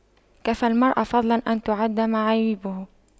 كفى المرء فضلا أن تُعَدَّ معايبه